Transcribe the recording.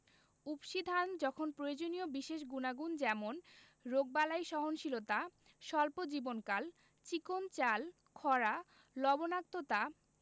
উফশী ধানে যখন প্রয়োজনীয় বিশেষ গুনাগুণ যেমন রোগবালাই সহনশীলতা স্বল্প জীবনকাল চিকন চাল খরা লবনাক্ততা